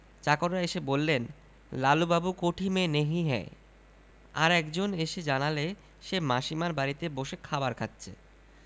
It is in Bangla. চাকররা এসে বললে লালুবাবু কোঠি মে নহি হ্যায় আর একজন এসে জানালে সে মাসীমার বাড়িতে বসে খাবার খাচ্ছে